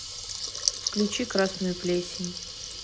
включи красную плесень